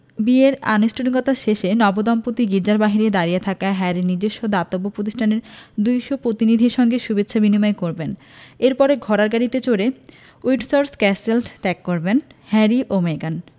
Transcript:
বিয়ের আনুষ্ঠানিকতা শেষে নবদম্পতি গির্জার বাইরে দাঁড়িয়ে থাকা হ্যারির নিজস্ব দাতব্য প্রতিষ্ঠানের ২০০ প্রতিনিধির সঙ্গে শুভেচ্ছা বিনিময় করবেন এরপর ঘোড়ার গাড়িতে চড়ে উইন্ডসর ক্যাসেল ত্যাগ করবেন হ্যারি ও মেগান